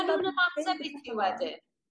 Ma' nw'n ymateb i chi wedyn.